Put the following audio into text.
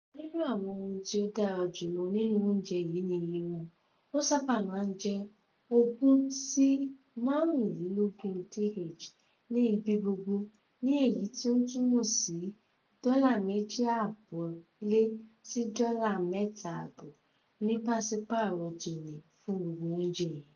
Ọ̀kan nínú àwọn ohun tí o dára jùlọ nínú oúnjẹ yìí ni iye rẹ̀, ó sábà máa ń jẹ́ 20-25 DH ní ibi gbogbo ni èyí tí ó ń túmọ̀ sí $2.60-3.25 ní pàsípààrọ̀ tòní fún gbogbo oúnjẹ yẹn.